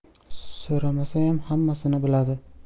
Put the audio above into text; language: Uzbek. so'ramasayam hammasini biladi